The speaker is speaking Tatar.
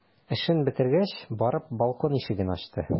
Эшен бетергәч, барып балкон ишеген ачты.